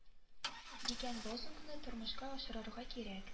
Дигән лозунгны тормышка ашырырга кирәк